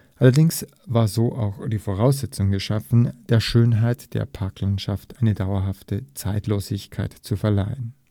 Allerdings war so auch die Voraussetzung geschaffen, der Schönheit der Parklandschaft eine dauerhafte Zeitlosigkeit zu verleihen